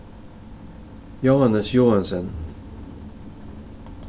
jóannes joensen